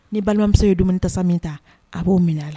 Ni balimamuso ye dumuni tasa min ta, a b'o minɛ a la